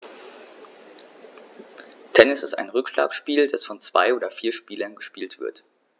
Tennis ist ein Rückschlagspiel, das von zwei oder vier Spielern gespielt wird.